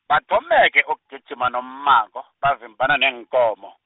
bathome ke ukugijima nommango, bavimbana neenkomo.